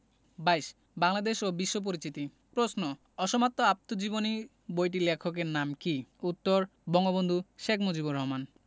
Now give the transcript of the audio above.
২২ বাংলাদেশ ও বিশ্ব পরিচিতি প্রশ্ন অসমাপ্ত আত্মজীবনী বইটির লেখকের নাম কী উত্তর বঙ্গবন্ধু শেখ মুজিবুর রহমান